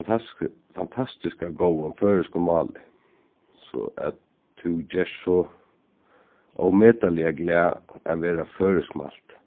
fantastiska góðum føroyskum máli so at tú gerst so ómetaliga glað at vera føroyskmælt